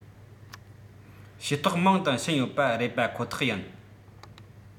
ཤེས རྟོགས མང དུ ཕྱིན ཡོད པ རེད པ ཁོ ཐག ཡིན